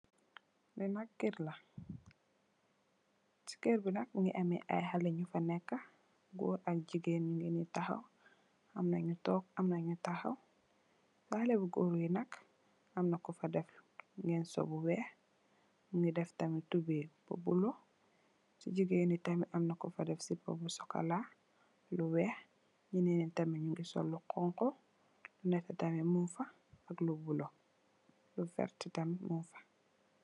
Li nak kër la, ci kër bi nak mungi ameh ay haley nu fa nekka. Gòor ak jigeen nungi ni tahaw, amna nu toog Amna nu tahaw. Haley bu gòor yi nak, Amna ko fa deff nyanso bu weeh mungi deff tamit tubeye bu bulo. Ci jigéen tamit amna ko fa deff sipa bu sokola, lu weeh. Nyenen tamit nungi sol lu honku, nètè tamit mung fa ak lu bulo, lu vert tamit mung fa.